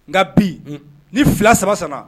Nka bi ni fila saba sɔnna